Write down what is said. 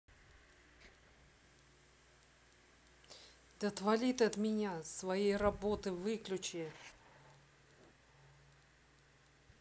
да отвали ты от меня своей работы выключи